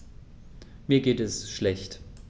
Mir geht es schlecht.